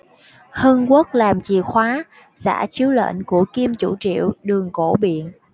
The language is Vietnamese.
hưng quốc làm chìa khóa giả chiếu lệnh của kim chủ triệu đường cổ biện